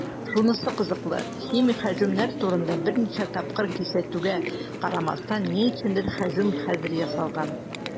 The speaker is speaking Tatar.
Шунысы кызыклы, химик һөҗүмнәр турында берничә тапкыр кисәтүгә карамастан, ни өчендер һөҗүм хәзер ясалган.